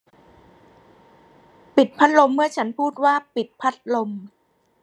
ปิดพัดลมเมื่อฉันพูดว่าปิดพัดลม